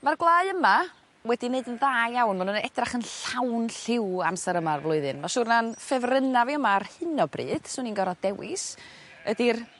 ma'r gwlau yma wedi wneud yn dda iawn ma' nw'n edrach yn llawn lliw amsar yma o'r flwyddyn ma' siwr na'n ffefrynna fi yma ar hyn o bryd swn i'n gor'od dewis ydi'r